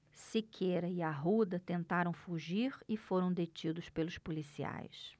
siqueira e arruda tentaram fugir e foram detidos pelos policiais